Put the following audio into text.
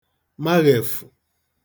maghèfụ̀